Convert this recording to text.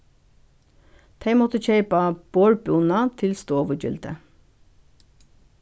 tey máttu keypa borðbúnað til stovugildið